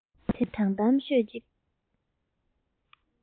དེ ན དྲང གཏམ ཤོད ཅིག